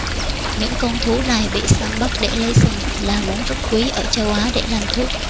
những con thú này bị săn bắt để lấy sừng là món rất quý ở châu á để làm thuốc